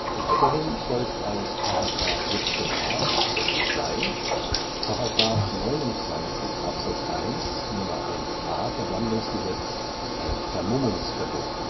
Weiterhin folgt aus § 17a Abs. 2, § 29 Abs. 1 Nr. 1 a VersammlG ein Vermummungsverbot